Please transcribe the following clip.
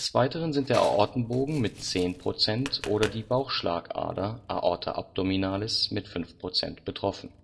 Weiteren sind der Aortenbogen mit zehn Prozent oder die Bauchschlagader (Aorta abdominalis) mit fünf Prozent betroffen